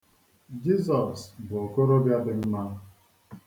Jizọs bụ okorobịa dị mma.